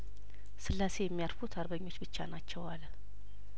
ስላሴ የሚያርፉት አርበኞች ብቻ ናቸው አለ